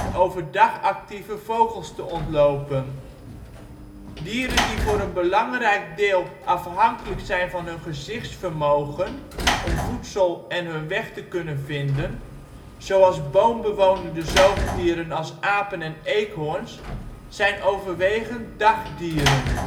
overdag actieve vogels te ontlopen. Dieren die voor een belangrijk deel afhankelijk zijn van hun gezichtsvermogen om voedsel en hun weg te kunnen vinden, zoals boombewonende zoogdieren als apen en eekhoorns, zijn overwegend dagdieren